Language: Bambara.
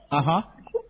Aɔn